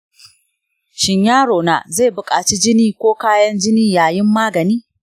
shin yaro na zai buƙaci jini ko kayan jini yayin magani?